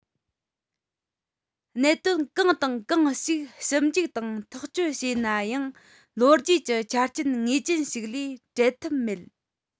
གནད དོན གང དང གང ཞིག ཞིབ འཇུག དང ཐག གཅོད བྱས ནའང ལོ རྒྱུས ཀྱི ཆ རྐྱེན ངེས ཅན ཞིག ལས འབྲལ ཐབས མེད